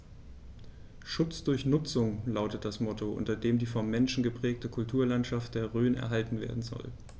„Schutz durch Nutzung“ lautet das Motto, unter dem die vom Menschen geprägte Kulturlandschaft der Rhön erhalten werden soll.